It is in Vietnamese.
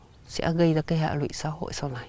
sẽ gây ra cái hệ lụy xã hội sau này